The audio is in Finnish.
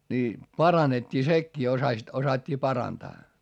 niin parannettiin sekin osasivat osattiin parantaa